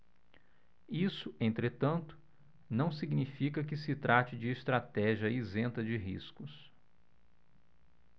isso entretanto não significa que se trate de estratégia isenta de riscos